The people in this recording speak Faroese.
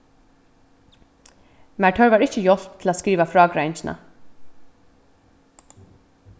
mær tørvar ikki hjálp til at skriva frágreiðingina